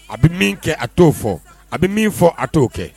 A bɛ min kɛ a t'o fɔ, a bɛ min fɔ a t'o kɛ.